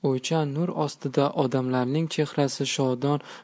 o'ychan nur ostida odamlarning chehrasi shodon